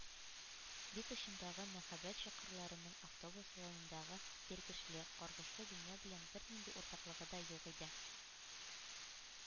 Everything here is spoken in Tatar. Бит очындагы “мәхәббәт чокырлары”ның автобус салонындагы тиргешле, каргышлы дөнья белән бернинди уртаклыгы да юк иде...